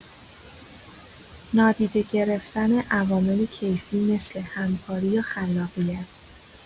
نادیده گرفتن عوامل کیفی مثل همکاری یا خلاقیت